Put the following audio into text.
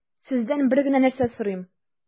Сездән бер генә нәрсә сорыйм: